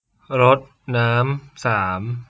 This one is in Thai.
รดน้ำสาม